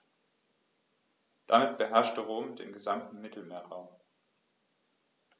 Damit beherrschte Rom den gesamten Mittelmeerraum.